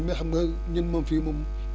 mais xam nga ñun moom fii moom